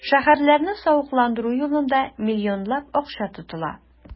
Шәһәрләрне савыкландыру юлында миллионлап акча тотыла.